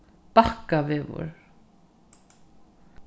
bakkavegur